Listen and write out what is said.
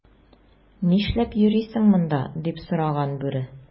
"нишләп йөрисең монда,” - дип сораган бүре.